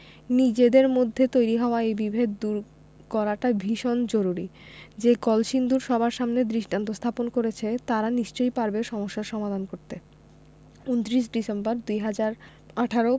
নিজেদের মধ্যে তৈরি হওয়া এই বিভেদ দূর করাটা ভীষণ জরুরি যে কলসিন্দুর সবার সামনে দৃষ্টান্ত স্থাপন করেছে তারা নিশ্চয়ই পারবে সমস্যাটার সমাধান করতে ২৯ ডিসেম্বর ২০১৮